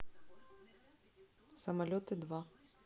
погода в москве сейчас